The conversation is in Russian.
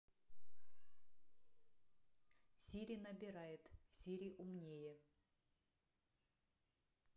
сири набирает сири умнее